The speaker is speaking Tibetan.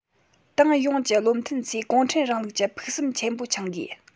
ཏང ཡོངས ཀྱི བློ མཐུན ཚོས གུང ཁྲན རིང ལུགས ཀྱི ཕུགས བསམ ཆེན པོ འཆང དགོས